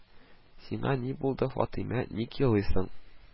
– сиңа ни булды, фатыйма, ник елыйсың